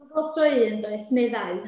Pob tro un does, neu ddau.